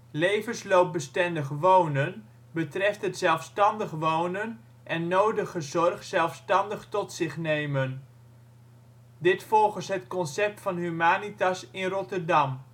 Levensloopbestendig wonen betreft het zelfstandig wonen en nodige zorg zelfstandig tot zich nemen. Dit volgens het concept van Humanitas in Rotterdam